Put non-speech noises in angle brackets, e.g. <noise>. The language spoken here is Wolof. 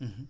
<hesitation> <hesitation>